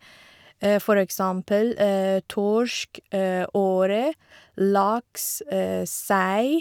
For eksempel torsk, åre, laks, sei.